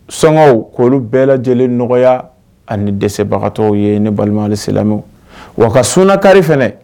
Sɔngɔw k'olu bɛɛ lajɛlen nɔgɔya, ani dɛsɛbagatɔw ye ne balima ali silamɛw, wa ka sunnakari fana